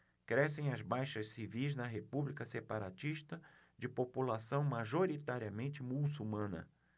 crescem as baixas civis na república separatista de população majoritariamente muçulmana